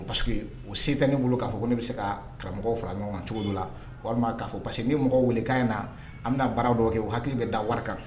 O parce o se tɛ ne bolo k'a fɔ ko ne bɛ se ka karamɔgɔ fara ɲɔgɔn cogo la walima'a fɔ parce que ni mɔgɔ weeleka in na an bɛna baara dɔw kɛ hakili bɛ da wari kan